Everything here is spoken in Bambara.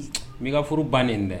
N'ika furu ba nɛni dɛ!